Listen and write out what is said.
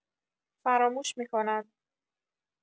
فراموش می‌کند.